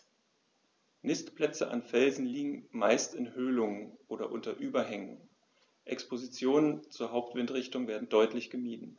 Nistplätze an Felsen liegen meist in Höhlungen oder unter Überhängen, Expositionen zur Hauptwindrichtung werden deutlich gemieden.